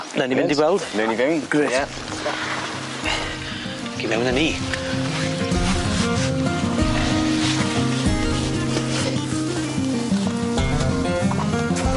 Newn ni fynd i gweld. Newn ni fynd. Grêt. Ie. Ac i mewn a ni!